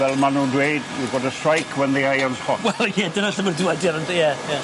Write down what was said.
Fel ma' nw'n dweud, you've got to strike when the iron's hot. Wel ie, dyna lle ma'r dywediad yn d- ie, ie.